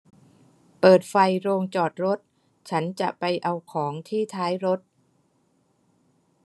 เปิดไฟโรงจอดรถฉันจะไปเอาของที่ท้ายรถ